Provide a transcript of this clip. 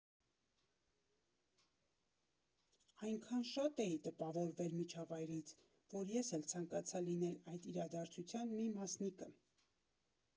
Այնքան շատ էի տպավորվել միջավայրից, որ ես էլ ցանկացա լինել այդ իրադարձության մի մասնիկը։